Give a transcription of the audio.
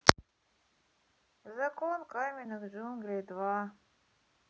закон каменных джунглей два